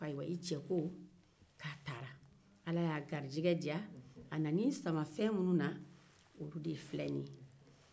i cɛ ko k'a taara ala y'a garijɛgɛ a nana i sama fɛn minnu na olu file nin ye